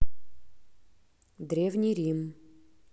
древний рим